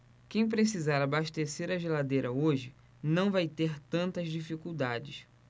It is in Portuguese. quem precisar abastecer a geladeira hoje não vai ter tantas dificuldades